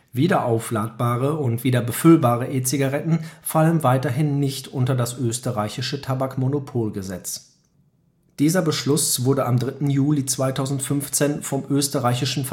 Wiederaufladbare und wiederbefüllbare E-Zigaretten fallen weiterhin nicht unter das österreichische Tabakmonopolgesetz. Dieser Beschluss wurde am 3. Juli 2015 vom österreichischen